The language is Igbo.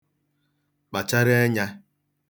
kpàchara enyā